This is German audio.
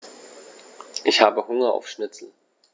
Ich habe Hunger auf Schnitzel.